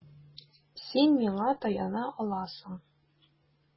Син миңа таяна аласың.